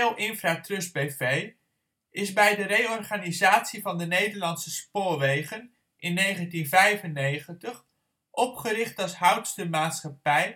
Railinfratrust B.V. is bij de reorganisatie van de Nederlandse Spoorwegen in 1995 opgericht als houdstermaatschappij